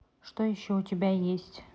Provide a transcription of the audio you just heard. что еще у тебя есть